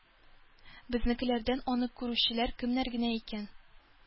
Безнекеләрдән аны күрүчеләр кемнәр генә икән?